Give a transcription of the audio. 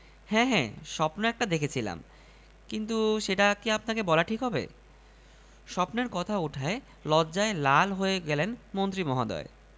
সাইকিয়াট্রিস্টের chamber পাগলের ডাক্তার হিসেবে একসময় অনেক খ্যাতি ছিল এই লোকের চেম্বারে সাইকিয়াট্রিস্ট ছাড়া আর কেউ নেই